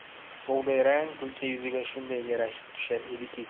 bug'doyrang kulcha yuziga shunday yarashib tushar ediki